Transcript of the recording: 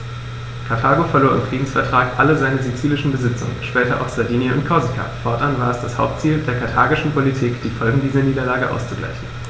Karthago verlor im Friedensvertrag alle seine sizilischen Besitzungen (später auch Sardinien und Korsika); fortan war es das Hauptziel der karthagischen Politik, die Folgen dieser Niederlage auszugleichen.